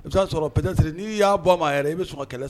I bɛ sɔrɔ psiri n'i y'a bɔ ma a yɛrɛ i bɛ kɛlɛ